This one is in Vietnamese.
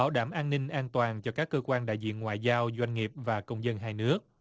bảo đảm an ninh an toàn cho các cơ quan đại diện ngoại giao doanh nghiệp và công nhân hai nước